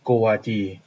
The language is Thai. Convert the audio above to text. โกวาจี